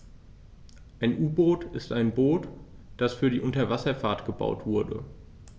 Ein U-Boot ist ein Boot, das für die Unterwasserfahrt gebaut wurde.